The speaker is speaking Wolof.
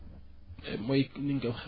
mooy comme ni ñu ko wax